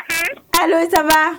Hann allo ça va